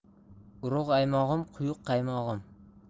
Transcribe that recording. urug' aymog'im quyuq qaymog'im